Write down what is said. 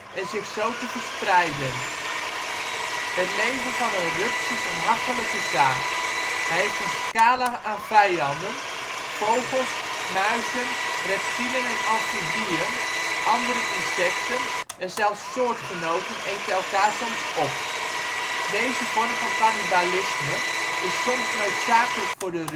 en zich zo te verspreiden. Het leven van een rups is een hachelijke zaak, hij heeft een scala aan vijanden; vogels, muizen, reptielen en amfibieën, andere insecten en zelfs soortgenoten eten elkaar soms op. Deze vorm van kannibalisme is soms noodzakelijk voor de